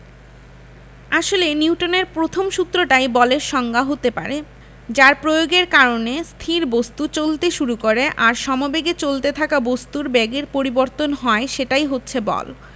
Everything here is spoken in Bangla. আসলে নিউটনের প্রথম সূত্রটাই বলের সংজ্ঞা হতে পারে যার প্রয়োগের কারণে স্থির বস্তু চলতে শুরু করে আর সমবেগে চলতে থাকা বস্তুর বেগের পরিবর্তন হয় সেটাই হচ্ছে বল